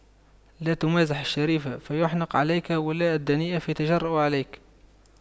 لا تمازح الشريف فيحنق عليك ولا الدنيء فيتجرأ عليك